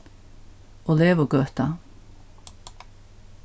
olevugøta